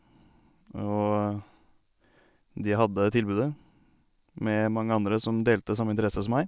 Og de hadde tilbudet med mange andre som delte samme interesse som meg.